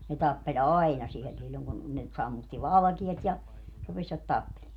ne tappeli aina siellä silloin kun ne sammutti valkeat ja rupesivat tappelemaan